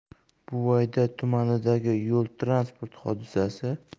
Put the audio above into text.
buvayda tumanidagi yo'l transport hodisasi